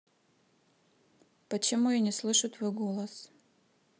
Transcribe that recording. почему я не слышу твой голос